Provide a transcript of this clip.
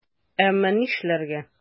Әмма нишләргә?!